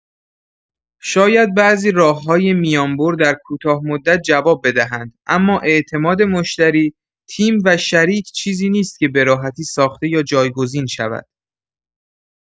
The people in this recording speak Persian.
شاید بعضی راه‌های میان‌بر در کوتاه‌مدت جواب بدهند، اما اعتماد مشتری، تیم و شریک چیزی نیست که به‌راحتی ساخته یا جایگزین شود.